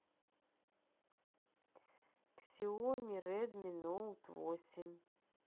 ксиоми редми ноут восемь